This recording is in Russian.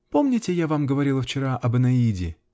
Помните, я вам говорила вчера об "Энеиде"?